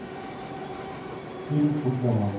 фильм путь домой